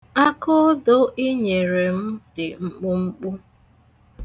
Akoodo ị nyere m dị mkpumkpu.